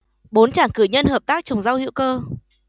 bốn chàng cử nhân hợp tác trồng rau hữu cơ